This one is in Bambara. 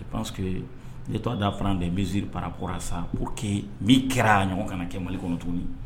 Pas que tɔgɔ da fana de bɛisiriiri parara sa ko keyita min kɛra' ɲɔgɔn ka na kɛ mali kɔnɔ tuguni